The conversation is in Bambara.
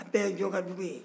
a bɛɛ ye jɔkadugu ye